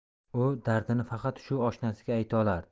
u dardini faqat shu oshnasiga ayta olardi